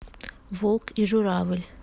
волк и журавль